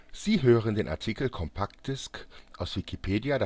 Sie hören den Artikel Compact Disc, aus Wikipedia